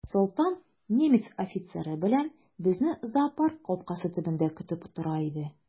Солтан немец офицеры белән безне зоопарк капкасы төбендә көтеп тора иде.